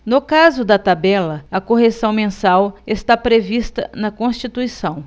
no caso da tabela a correção mensal está prevista na constituição